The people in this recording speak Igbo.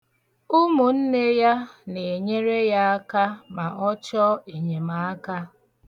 Ụmụnne ya na-enyere ya aka ma ọ chọ enyemaaka.